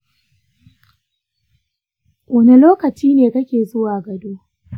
wani lokaci kake yawan zuwa gado?